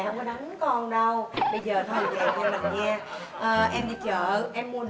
mẹ không có đánh con đâu bây giờ thôi như vầy nha mình nha em đi